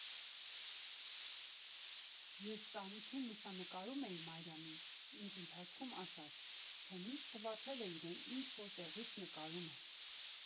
Երբ տանիքին լուսանկարում էի Մարիամին, ինձ ընթացքում ասաց, թե միշտ թվացել է՝ իրեն ինչ֊որ տեղից նկարում են։